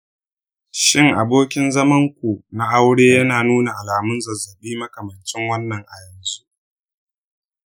shin abokin zamanku na aure yana nuna alamun zazzabi makamancin wannan a yanzu?